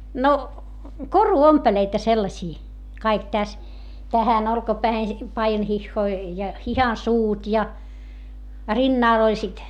no koruompeleita sellaisia kaikki tässä tähän olkapäähän paidanhihoihin ja hihansuut ja rinnalla oli sitten